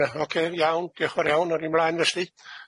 Strych deri ocê iawn diolch yn fawr iawn, awn i mlaen felly.